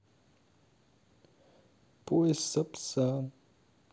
поезд сапсан